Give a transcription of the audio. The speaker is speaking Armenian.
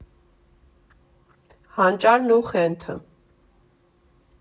Հանճարն ու խենթը։